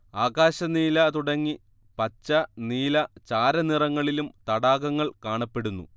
ആകാശനീല തുടങ്ങി പച്ച നീല ചാരനിറങ്ങളിലും തടാകങ്ങൾ കാണപ്പെടുന്നു